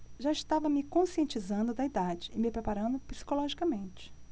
já estava me conscientizando da idade e me preparando psicologicamente